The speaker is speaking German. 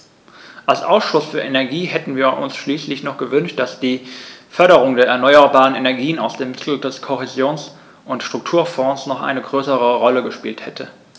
Als Ausschuss für Energie hätten wir uns schließlich noch gewünscht, dass die Förderung der erneuerbaren Energien aus den Mitteln des Kohäsions- und Strukturfonds eine noch größere Rolle gespielt hätte.